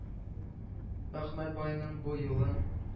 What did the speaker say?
Әхмәт байның бу юлын